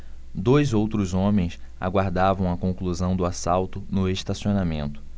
dois outros homens aguardavam a conclusão do assalto no estacionamento